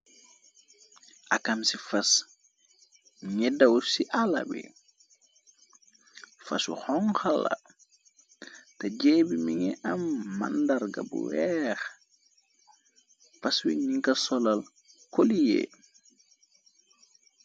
Akam ci fas minge dawur ci alabi fashu xonxala te jéebi mi ngi am màndarga bu weex fas wi ni nga solal koliyee.